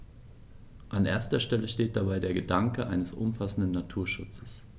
An erster Stelle steht dabei der Gedanke eines umfassenden Naturschutzes.